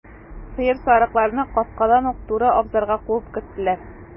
Сыер, сарыкларны капкадан ук туры абзарга куып керттеләр.